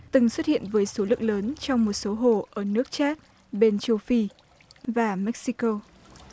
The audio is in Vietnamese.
từng xuất hiện với số lượng lớn trong một số hồ ở nước chác bên châu phi và mếch xi cô